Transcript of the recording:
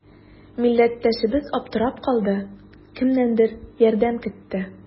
Милләттәшебез аптырап калды, кемнәндер ярдәм көтте.